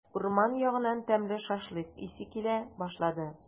Урман ягыннан тәмле шашлык исе килә башлады.